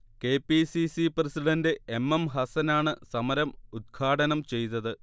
K. P. C. C president M M ഹസനാണ് സമരം ഉദ്ഘാടനം ചെയ്തത്